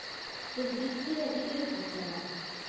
Сез бик кирәк идегез бит миңа!